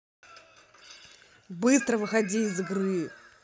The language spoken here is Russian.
быстро выходи из игры